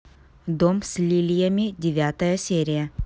дом с лилиями девятая серия